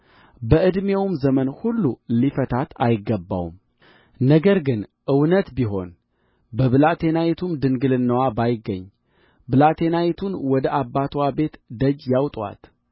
በዕድሜውም ዘመን ሁሉ ሊፈታት አይገባውም ነገሩ ግን እውነት ቢሆን በብላቴናይቱም ድንግልናዋ ባይገኝ ብላቴናይቱን ወደ አባትዋ ቤት ደጅ ያውጡአት